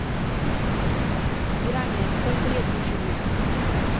пирания сколько лет не живут